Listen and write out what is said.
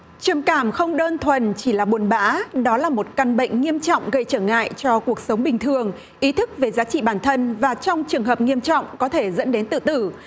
trầm cảm không đơn thuần chỉ là buồn bã đó là một căn bệnh nghiêm trọng gây trở ngại cho cuộc sống bình thường ý thức về giá trị bản thân và trong trường hợp nghiêm trọng có thể dẫn đến tự tử